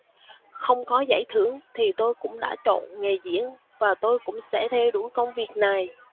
không có giải thưởng thì tôi cũng đã chọn nghề diễn và tôi cũng sẽ theo đuổi công việc này